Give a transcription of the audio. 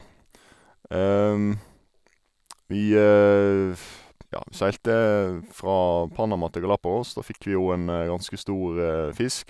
Vi, ja, seilte fra Panama til Galapagos, da fikk vi jo en ganske stor fisk.